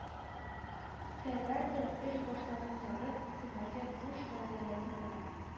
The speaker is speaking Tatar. Тәләр дә, эч-башларын ярып, күмәргә буш гәүдәләрен генә